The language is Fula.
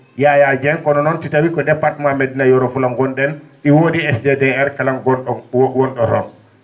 Yaya Dieng ko noon so tawi département Medina yoro Fuula gon?en ?i wodoi SDDR kalan go??o won?o toon